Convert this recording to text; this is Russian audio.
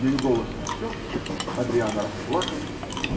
Ее голос осекся; Адриана расплакалась.